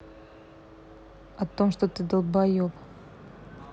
о том что ты долбоеб